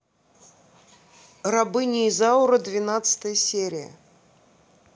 рабыня изаура двенадцатая серия